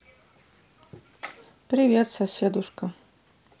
привет соседушка